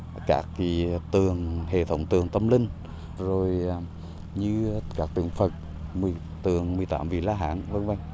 các cái tường hệ thống tượng tâm linh rồi à như các tượng phật mình tượng mười tám vị la hán vân vân